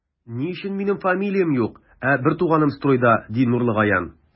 Ни өчен минем фамилиям юк, ә бертуганым стройда, ди Нурлыгаян.